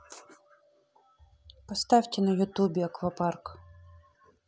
поставьте на ютубе аквапарк